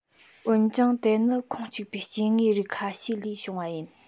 འོན ཀྱང དེ ནི ཁོངས གཅིག པའི སྐྱེ དངོས རིགས ཁ ཤས ལས བྱུང བ ཡིན